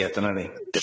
Ie dyna ni.